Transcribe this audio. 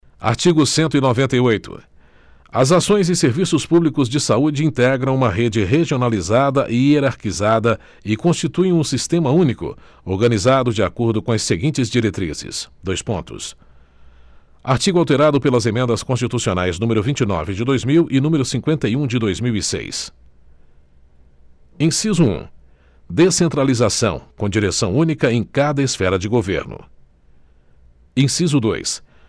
artigo cento e noventa e oito as ações e serviços públicos de saúde integram uma rede regionalizada e hierarquizada e constituem um sistema único organizado de acordo com as seguintes diretrizes dois pontos artigo alterado pelas emendas constitucionais número vinte e nove de dois mil e número cinquenta e um de dois mil e seis inciso um descentralização com direção única em cada esfera de governo inciso dois